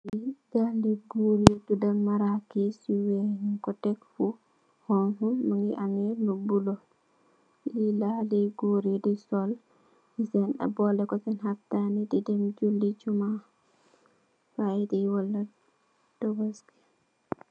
Li daali gòor la, yu marakis yu weeh nung ko tekk fu honku. Mungi ameh lu bolu. Li la dè gòor yi di sol ci senn, bolè kog senn haftaan di dem suli juma friday wala tobaski.